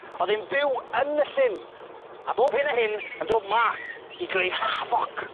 O'dd e'n byw yn y llyn a bob hyn a hyn yn dod mas i greu hafoc.